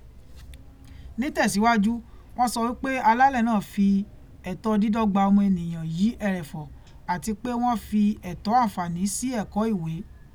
Nítẹ̀síwájú, wọ́n sọ wí pé àlàálẹ̀ náà fi ẹ̀tọ́ dídọ́gba ọmọ ènìyàn yí ẹrẹ̀fọ̀ àti pé wọn fi ẹ̀tọ́ àǹfààní sí ẹ̀kọ́ ìwé.